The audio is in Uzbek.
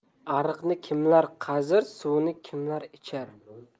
ariqni kimlar qazir suvini kimlar ichar